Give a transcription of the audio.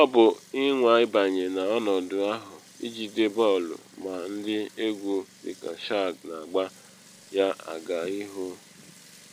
“Ọ bụ ịnwa ịbanye n’ọnọdụ ahụ, ijide bọọlụ ma ndi egwu dị ka Shaq na agba ya aga ihu